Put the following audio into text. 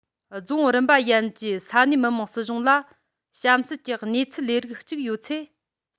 རྫོང རིམ པ ཡན གྱི ས གནས མི དམངས སྲིད གཞུང ལ གཤམ གསལ གྱི གནས ཚུལ ལས རིགས གཅིག ཡོད ཚེ